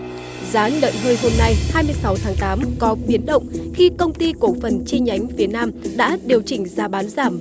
giá lợn hơi hôm nay hai mươi sáu tháng tám có biến động khi công ty cổ phần chi nhánh phía nam đã điều chỉnh giá bán giảm